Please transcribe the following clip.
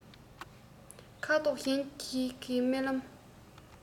ཁ དོག གཞན ཞིག གི རྨི ལམ